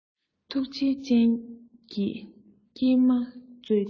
ཐུགས རྗེའི སྤྱན གྱིས སྐྱེལ མ མཛོད ཅིག